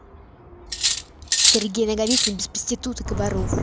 сергей наговицын без проституток и воров